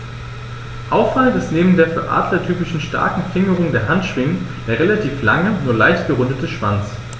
Auffallend ist neben der für Adler typischen starken Fingerung der Handschwingen der relativ lange, nur leicht gerundete Schwanz.